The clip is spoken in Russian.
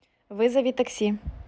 вызови такси